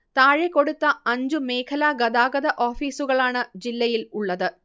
താഴെ കൊടുത്ത അഞ്ചു മേഖലാഗതാഗത ഓഫീസുകളാണ് ജില്ലയിൽ ഉള്ളത്